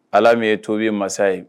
Ala min ye tobi ye masa ye